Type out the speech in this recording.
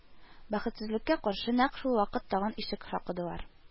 Бәхетсезлеккә каршы, нәкъ шул вакыт тагын ишек шакыдылар